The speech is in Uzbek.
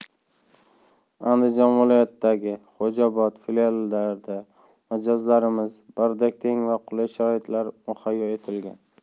andijon viloyatidagi xo'jaobod filiallarida mijozlarimizga birdek teng va qulay sharoitlar muhayyo etilgan